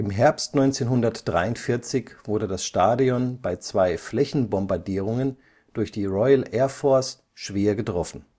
Herbst 1943 wurde das Stadion bei zwei Flächenbombardierungen durch die Royal Air Force schwer getroffen